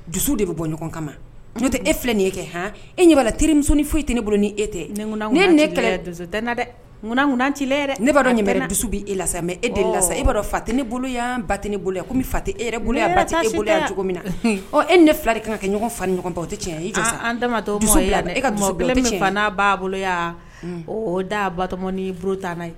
Dusu de bɛ bɔ ɲɔgɔn kama n'o tɛ e filɛ nin kɛ h e ɲamakalala teri musonin foyi e tɛ ne bolo ni e tɛ ne ne tɛ dɛ munna kun' ci ne' dɔn nin dusu bɛ e la sa mɛ e de la e fa tɛ ne bolo yan ba tɛ ne bolo yan ko fa tɛ e bolo yan e bolo cogo min na e ne fila de ka kɛ ɲɔgɔn fa ɲɔgɔn o tɛ tiɲɛ e n' bolo da bato niurutan n' ye